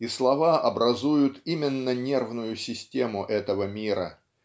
и слова образуют именно нервную систему этого мира